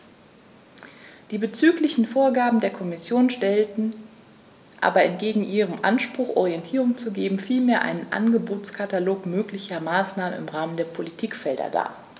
Die diesbezüglichen Vorgaben der Kommission stellen aber entgegen ihrem Anspruch, Orientierung zu geben, vielmehr einen Angebotskatalog möglicher Maßnahmen im Rahmen der Politikfelder dar.